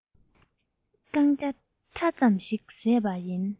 རྐང བརྒྱ ཕྲག ཙམ ཞིག བཟས པ ཡིན